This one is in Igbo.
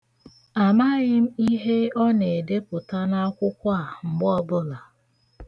Amaghị m ihe ọ na-edepụta n'akwụkwọ a mgbe ọbụla.